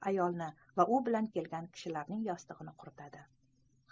ayolni va u bilan kelgan kishilarning yostig'ini quritadi